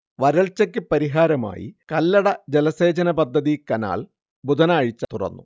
വരൾച്ചയ്ക്ക് പരിഹാരമായി കല്ലട ജലസേചനപദ്ധതി കനാൽ ബുധനാഴ്ച തുറന്നു